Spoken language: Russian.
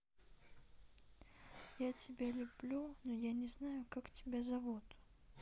я тебя люблю но я не знаю как тебя зовут